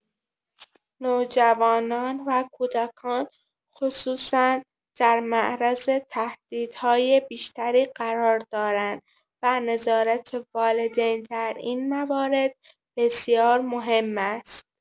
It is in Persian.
نوجوانان و کودکان خصوصا در معرض تهدیدهای بیشتری قرار دارند و نظارت والدین در این موارد بسیار مهم است.